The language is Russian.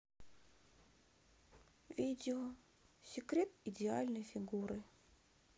видео секрет идеальной фигуры